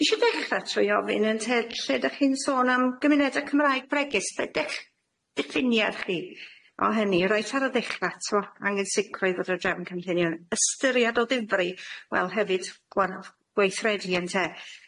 Dwi isio dechre trwy ofyn ynte lle dych chi'n sôn am gymunedau Cymraeg bregus be' dech- diffiniad chi o hynny reit ar y ddechre t'mo' angen sicrwydd fod y drefn cynllunio yn ystyried o ddifri wel hefyd gwan- gweithredu ynte?